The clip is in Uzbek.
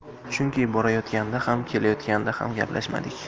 chunki borayotganda ham kelayotganda ham gaplashmadik